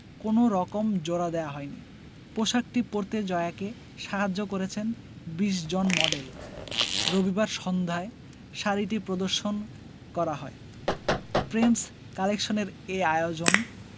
কোনো রকম জোড়া দেয়া হয়নি পোশাকটি পরতে জয়াকে সাহায্য করেছেন ২০ জন মডেল রবিবার সন্ধ্যায় শাড়িটি প্রদর্শন করা হয় প্রেমস কালেকশনের এ আয়োজন